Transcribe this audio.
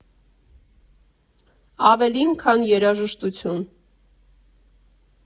Ավելին, քան երաժշտություն։